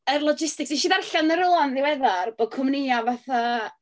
Yr logistics. Wnes i ddarllen yn rywle'n ddiweddar bod cwmnïau fatha